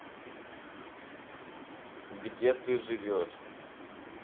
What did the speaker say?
где ты живешь